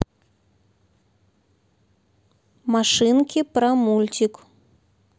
машинки про мультик